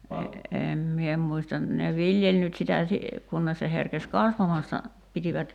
en minä muista ne viljeli nyt sitä - kunnes se herkesi kasvamasta pitivät